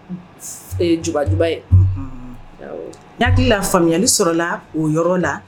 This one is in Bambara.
Jbaba ya hakilila faamuyali sɔrɔla o yɔrɔ la